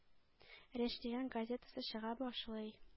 “речь” дигән газетасы чыга башлый.